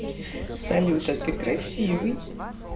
салют а ты красивый